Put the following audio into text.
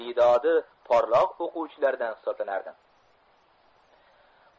iste'dodi porloq o'quvchilaridan hisoblanardi